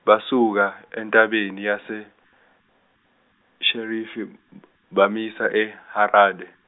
basuka entabeni yaseSherifi b- bamisa eHarade.